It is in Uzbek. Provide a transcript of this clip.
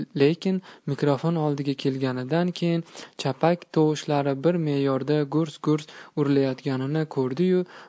lekin mikrofon oldiga kelganidan keyin chapak tovushlari bir me'yorda gurs gurs urilayotganini ko'rdi yu